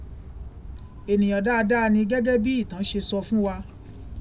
Ènìyàn dáadáa ni gẹ́gẹ́ bí ìtàn ṣe sọ fún wa.